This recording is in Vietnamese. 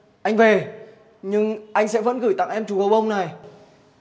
anh về nhưng anh sẽ vẫn gửi tặng em chú gấu bông này